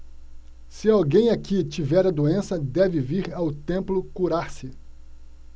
se alguém aqui tiver a doença deve vir ao templo curar-se